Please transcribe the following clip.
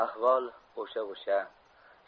ahvol o'sha o'sha